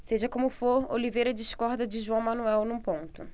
seja como for oliveira discorda de joão manuel num ponto